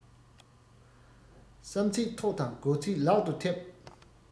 བསམ ཚད ཐོག དང དགོས ཚད ལག ཏུ ཐེབས